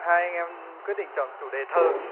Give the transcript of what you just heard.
hai anh em quyết định chọn chủ đề thơ